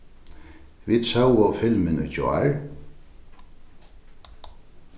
vit sóu filmin í gjár